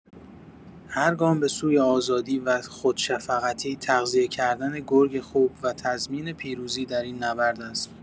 هر گام به‌سوی آزادی و خودشفقتی تغذیه کردن گرگ خوب و تضمین پیروزی دراین نبرد است.